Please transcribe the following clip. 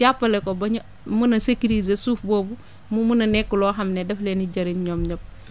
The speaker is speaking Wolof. jàppale ko ba ñu mun a sécuriser suuf boobu mu mun a nekk loo xam ne dafa leen di jëriñ ñoom ñëpp